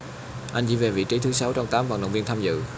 anh chỉ về vị trí thứ sáu trong tám vận động viên tham dự